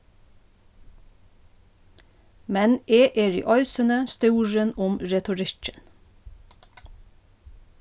men eg eri eisini stúrin um retorikkin